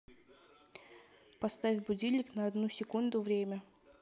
поставь будильник на одну секунду время